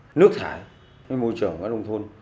nước thải cái môi trường các nông thôn